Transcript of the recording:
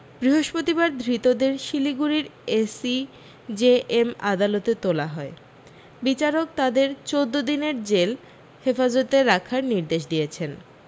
বৃহস্পতিবার ধৃতদের শিলিগুড়ির এসিজেএম আদালতে তোলা হয় বিচারক তাঁদের চোদ্দো দিনের জেল হেফাজতে রাখার নির্দেশ দিয়েছেন